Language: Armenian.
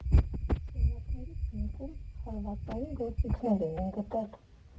Սենյակներից մեկում հարվածային գործիքներ էինք գտել։